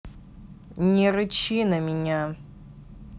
не рычи на меня